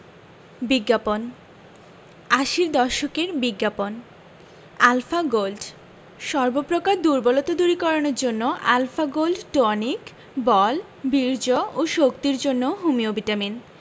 বিজ্ঞাপন আশির দশকের বিজ্ঞাপন আলফা গোল্ড সর্ব প্রকার দুর্বলতা দূরীকরণের জন্য আল্ ফা গোল্ড টনিক –বল বীর্য ও শক্তির জন্য হোমিও ভিটামিন